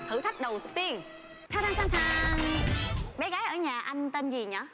thử thách đầu tiên thán thán thán than bé gái ở nhà anh tên gì nhở